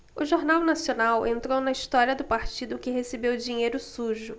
o jornal nacional entrou na história do partido que recebeu dinheiro sujo